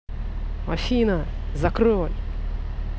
афина закрой